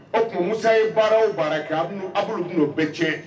O tuma musa ye baara o baara kɛ aolu tun n'o bɛɛ cɛ